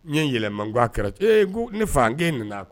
N ye n yɛlɛmaman kɛra eee ne fan nana